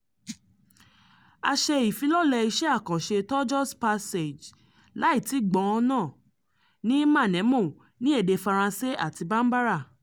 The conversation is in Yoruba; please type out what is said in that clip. A ṣe ìfilọ́lẹ̀ iṣẹ́ àkànṣe Toujours Pas Sages (Láì tíì gbọ́n náà) ní Maneno, ní èdè Faransé àti Bambara.